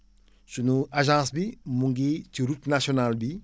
sunu agence bi mu ngi ci route nationale bi